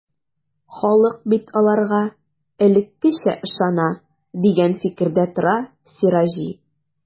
Халык бит аларга элеккечә ышана, дигән фикердә тора Сираҗи.